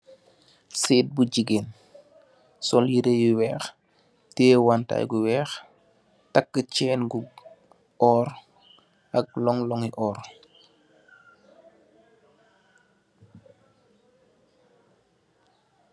Sèèn bu gigeen sol yirèh yu wèèx, teyeh wantai ngu wèèx, takk cèèn ngu órr ak lonlon ngi órr.